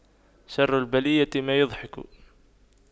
شر البلية ما يضحك